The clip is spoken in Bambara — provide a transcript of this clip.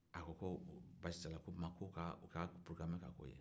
a ko basi t'a la k'u ka pɔrɔgarame ka k'o ye